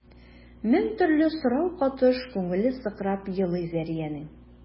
Мең төрле сорау катыш күңеле сыкрап елый Зәриянең.